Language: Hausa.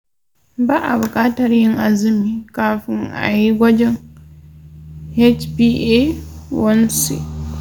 ba a buƙatar yin azumi kafin a yi gwajin hba1c.